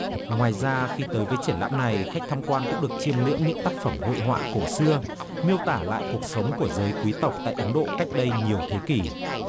ngoài ra khi tới với triển lãm này khách tham quan cũng được chiêm ngưỡng những tác phẩm hội họa cổ xưa miêu tả lại cuộc sống của giới quý tộc tại ấn độ cách đây nhiều thế kỷ